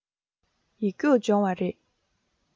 ཡིག རྒྱུགས སྦྱོང བ རེད